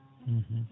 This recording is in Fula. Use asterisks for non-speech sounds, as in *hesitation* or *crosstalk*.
*hesitation* *hesitation*